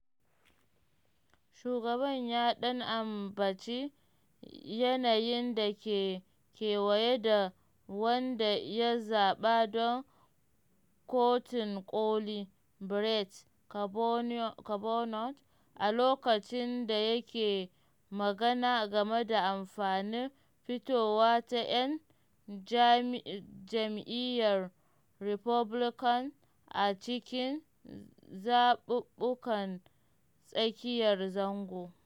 Shugaban ya ɗan ambaci yanayin da ke kewaye da wanda ya zaɓa don Kotun Koli Brett Kavanaugh a lokacin da yake magana game da amfanin fitowa ta ‘yan jam’iyyar Republican a cikin zaɓuɓɓukan tsakiyar zango.